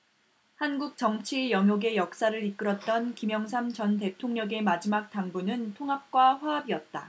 한국정치 영욕의 역사를 이끌었던 김영삼 전 대통령의 마지막 당부는 통합과 화합이었다